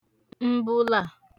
m̀bụ̀là